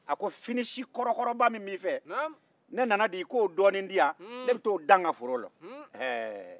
a ko finisi kɔrɔ-kɔrɔba min b'i fɛ ne nana de i ko dɔɔnin di yan ne bɛ taa o dan n ka forola